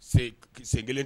Sen kelen